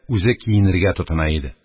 Үзе киенергә тотына иде.